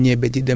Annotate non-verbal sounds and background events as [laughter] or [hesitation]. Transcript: [hesitation] [hesitation]